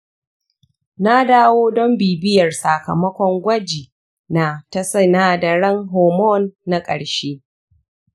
na dawo don bibiyar sakamakon gwaji na ta sinadaran hormone na ƙarshe.